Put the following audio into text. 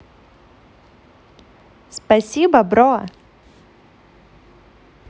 спасибо бро